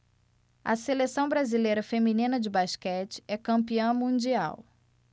a seleção brasileira feminina de basquete é campeã mundial